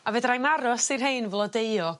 A fedrai'm aros i rhein flodeuo